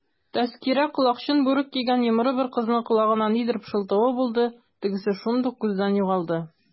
Тәзкирә колакчын бүрек кигән йомры бер кызның колагына нидер пышылдавы булды, тегесе шундук күздән югалды.